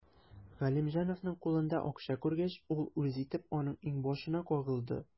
Галимҗановның кулында акча күргәч, ул үз итеп аның иңбашына кагылды.